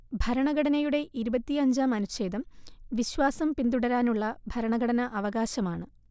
ഭരണഘടനയുടെ ഇരുപത്തിയഞ്ച-ാം അനുചേ്ഛദം വിശ്വാസം പിന്തുടരാനുള്ള ഭരണഘടനാ അവകാശമാണ്